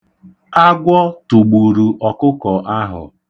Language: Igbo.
Agwọ tụgburu ọkụkọ ahụ.